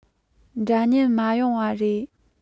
འདྲ མཉམ མ ཡོང བ རེད